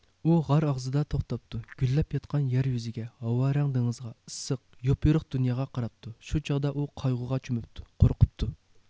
ئۇ غار ئاغزىدا توختاپتۇ گۈللەپ ياتقان يەر يۈزىگە ھاۋارەڭ دېڭىزغا ئىسسىق يوپيورۇق دۇنياغا قاراپتۇ شۇ چاغدا ئۇ قايغۇغا چۆمۈپتۇ قورقۇپتۇ